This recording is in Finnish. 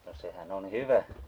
mutta sehän on hyvä